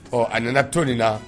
Ɔ a nana to nin na